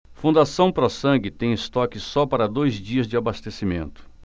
fundação pró sangue tem estoque só para dois dias de abastecimento